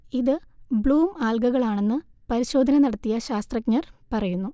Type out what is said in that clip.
ഇത് ബ്ലൂം ആൽഗകളാണെന്ന് പരിശോധ നടത്തിയ ശാസ്തജഞർ പറയുന്നു